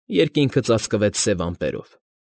Երկինքը ծածկվեց սև ամպերով։